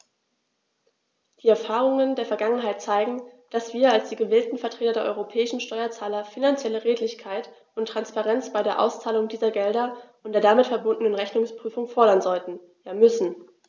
Die Erfahrungen der Vergangenheit zeigen, dass wir als die gewählten Vertreter der europäischen Steuerzahler finanzielle Redlichkeit und Transparenz bei der Auszahlung dieser Gelder und der damit verbundenen Rechnungsprüfung fordern sollten, ja müssen.